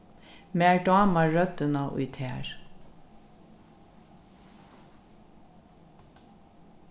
mær dámar røddina í tær